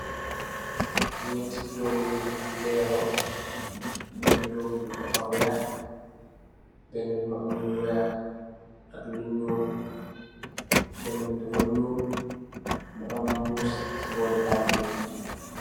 Ñetti tóógu lero benna tóógu bi dafa wèèx benna bi am lu wèèx ak lu ñuul benna bi dafa ñuul mugii am lu wèèx ci bóri tanka yi.